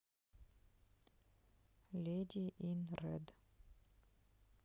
леди ин рэд